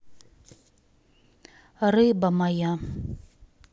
рыба моя